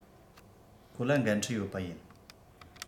ཁོ ལ འགན འཁྲི ཡོད པ ཡིན